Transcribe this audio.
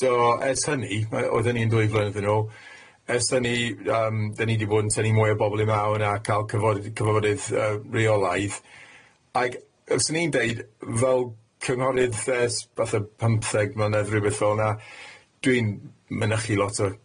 So ers hynny yy oedd hynny'n ddwy flynedd yn ôl ers hynny yym 'dyn ni 'di bod yn tynnu mwy o bobol i mewn a ca'l cyfod- cyfafodydd yy reolaidd ag os o'n i'n deud fel cynghorydd ers fatha pymtheg mlynedd rwbeth fel yna dwi'n mynychu lot o